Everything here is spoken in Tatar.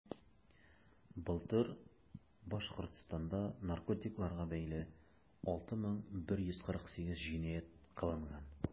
Былтыр Башкортстанда наркотикларга бәйле 6148 җинаять кылынган.